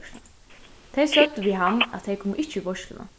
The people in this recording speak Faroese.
tey søgdu við hann at tey komu ikki í veitsluna